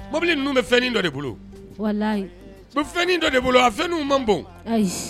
Ninnu bɛ fɛnin dɔ de bolo fɛn dɔ de bolo a fɛn man bon